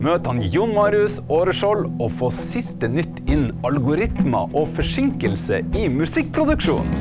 møt han Jon Marius Aareskjold og få siste nytt innen algoritmer og forsinkelse i musikkproduksjon!